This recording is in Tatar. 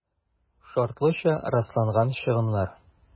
«шартлыча расланган чыгымнар»